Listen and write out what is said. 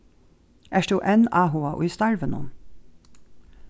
ert tú enn áhugað í starvinum